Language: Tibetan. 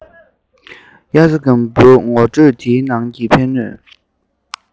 དབྱར རྩྭ དགུན འབུ ངོ སྤྲོད ནང གི ཕན ནུས